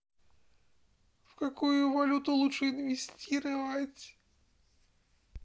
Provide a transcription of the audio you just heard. в какую валюту лучше инвестировать